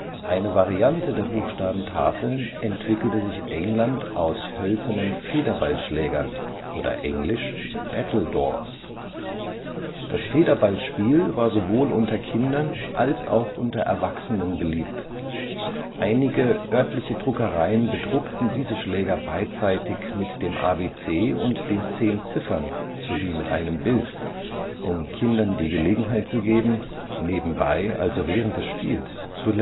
Eine Variante der Buchstabentafeln entwickelte sich in England aus hölzernen Federballschlägern („ Battledores “). Das Federballspiel war sowohl unter Kindern als auch unter Erwachsenen beliebt. Einige örtliche Druckereien bedruckten diese Schläger beidseitig mit dem ABC und den zehn Ziffern sowie mit einem Bild, um Kindern die Gelegenheit zu geben, „ nebenbei “– also während des Spiels – zu lernen